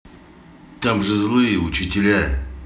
там же злые учителя